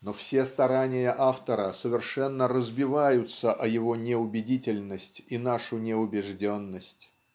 Но все старания автора совершенно разбиваются о его неубедительность и нашу неубежденность.